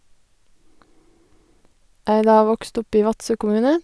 Jeg er da vokst opp i Vadsø kommune.